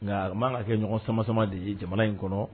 Ngaa o maan ka kɛ ɲɔgɔn samasama de ye jamana in kɔnɔ